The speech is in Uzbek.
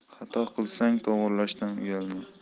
xato qilsang to'g'rilashdan uyalma